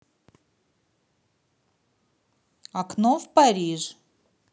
окно в париж